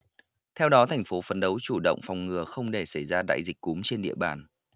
theo đó thành phố phấn đấu chủ động phòng ngừa không để xảy ra đại dịch cúm trên địa bàn